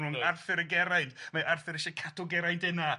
rhwng Arthur a Geraint, mae Arthur isie cadw Geraint yna